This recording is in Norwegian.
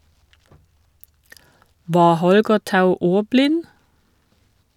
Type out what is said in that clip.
Var Holger Tou ordblind?